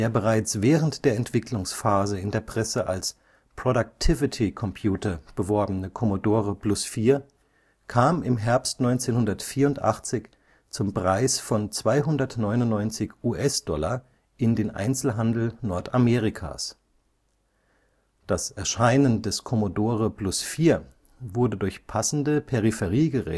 bereits während der Entwicklungsphase in der Presse als „ Productivity Computer “beworbene Commodore Plus/4 kam im Herbst 1984 zum Preis von 299 US$ in den Einzelhandel Nordamerikas. Das Erscheinen des Commodore Plus/4 wurde durch passende Peripheriegeräte